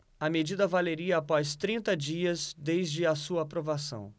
a medida valeria após trinta dias desde a sua aprovação